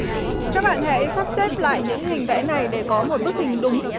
các bạn hãy sắp xếp lại những hình vẽ này để có một bức hình đúng